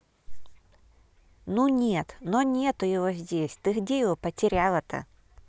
ну нет но нету его здесь ты где его потеряла то